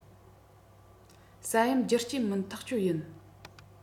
ས ཡོམ རྒྱུ རྐྱེན མིན ཐག གཅོད ཡིན